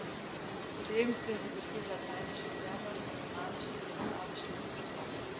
Zudem finden sich viele lateinische Lehnwörter in den germanischen und den slawischen Sprachen.